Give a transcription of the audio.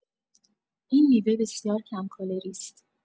این میوه بسیار کم‌کالری است.